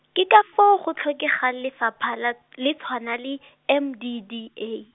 ke ka foo go tlhokegang lefapha la, le tshwana le, M D D A.